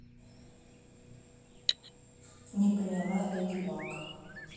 не поняла леди баг